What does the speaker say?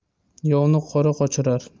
yovni qora qochirar